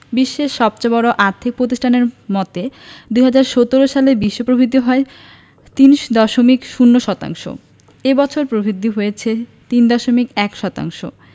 বিশ্বের সবচেয়ে বড় আর্থিক প্রতিষ্ঠানটির মতে ২০১৭ সালে বিশ্ব প্রবৃদ্ধি হয় ৩.০ শতাংশ এ বছর প্রবৃদ্ধি হবে ৩.১ শতাংশ